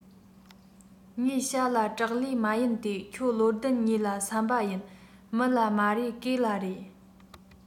ངེད བྱ ལ སྐྲག ལེ མ ཡིན ཏེ ཁྱོད བློ ལྡན གཉིས ལ བསམས པ ཡིན མི ལ མ རེ གོས ལ རེ